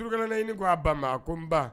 Zulkanaani ko a ba ko n ba!